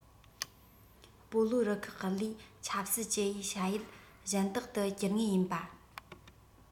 སྤོ ལོ རུ ཁག གི ལས ཆབ སྲིད ཀྱི དབྱེ བྱ ཡུལ གཞན དག ཏུ གྱུར ངེས ཡིན པ